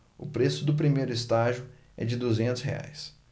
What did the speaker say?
o preço do primeiro estágio é de duzentos reais